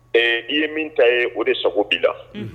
Ee I ye min ta ye, o de sago bi la. Unhun